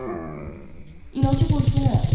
iloji bo'lsa